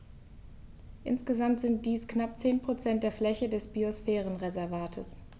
Insgesamt sind dies knapp 10 % der Fläche des Biosphärenreservates.